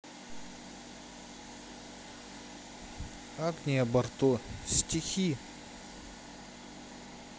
агния барто стихи